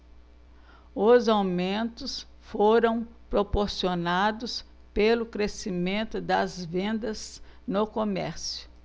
os aumentos foram proporcionados pelo crescimento das vendas no comércio